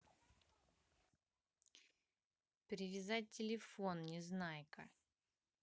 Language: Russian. привязать телефон незнайка